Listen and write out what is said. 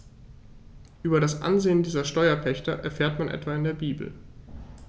Über das Ansehen dieser Steuerpächter erfährt man etwa in der Bibel.